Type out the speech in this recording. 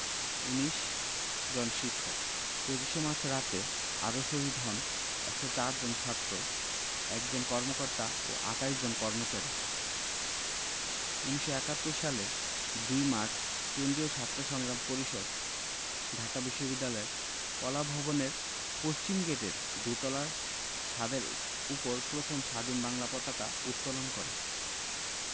১৯ জন শিক্ষক ২৫ মার্চ রাতে আরো শহীদ হন ১০৪ জন ছাত্র ১ জন কর্মকর্তা ও ২৮ জন কর্মচারী ১৯৭১ সালের ২ মার্চ কেন্দ্রীয় ছাত্র সংগ্রাম পরিষদ ঢাকা বিশ্ববিদ্যালয় কলাভবনের পশ্চিমগেটের দোতলার ছাদের উপর প্রথম স্বাধীন বাংলা পতাকা উত্তোলন করে